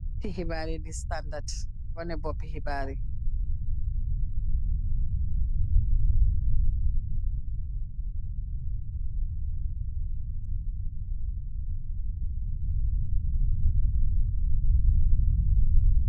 Kayiti xibarr yi di Standard, waneh bópi xibaryi.